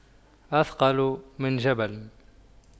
أثقل من جبل